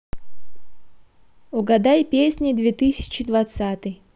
угадай песни две тысячи двадцатый